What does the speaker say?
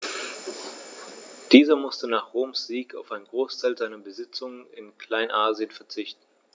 Dieser musste nach Roms Sieg auf einen Großteil seiner Besitzungen in Kleinasien verzichten.